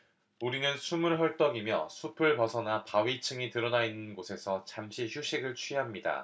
우리는 숨을 헐떡이며 숲을 벗어나 바위층이 드러나 있는 곳에서 잠시 휴식을 취합니다